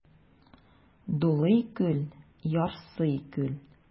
Дулый күл, ярсый күл.